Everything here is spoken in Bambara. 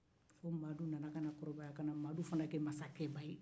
o madu nana kana kɔrɔbaya kana madu fana kɛ masakɛba ye